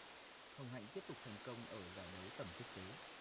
hồng hạnh tiếp tục thành công ở giải đấu tầm quốc tế